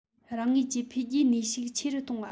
རང ངོས ཀྱི འཕེལ རྒྱས ནུས ཤུགས ཆེ རུ གཏོང བ